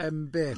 Yym be'?